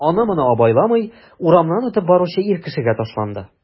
Аны-моны абайламый урамнан үтеп баручы ир кешегә ташланды...